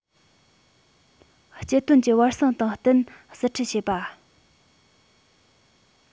སྤྱི དོན གྱི བར གསེང དང བསྟུན ཟུར ཁྲིད བྱེད པ